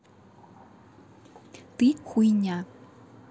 ты хуйня